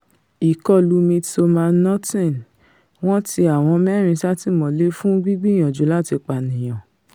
Ìkọlù Midsomer Norton: wọn tì awon mẹ́rin ́sátìmọ́lé fún gbìgbìyànjú láti pànìyàn